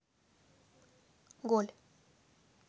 голь